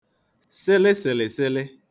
sịlịsị̀lị̀sịlị